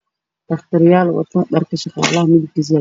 Dhakhtaryaal wato dharka shaqaalaha midabkiisa yahay buluug